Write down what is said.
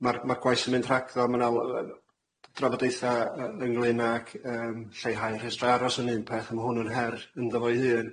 Ma'r ma'r gwaith yn mynd rhagddo ma' 'na yy drafodaetha yy ynglŷn ag yym lleihau rhestra aros yn un peth a ma' hwnna'n her ynddo fo'i hun.